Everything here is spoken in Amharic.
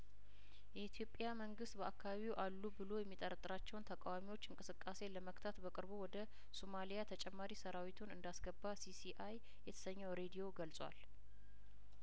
የኢትዮጵያ መንግስት በአካባቢው አሉ ብሎ የሚጠረጥራቸውን ተቃዋሚዎች እንቅስቃሴ ለመግታት በቅርቡ ወደ ሱማሊያ ተጨማሪ ሰራዊቱን እንዳስገባ ሲሲአይ የተሰኘው ሬድዮ ገልጿል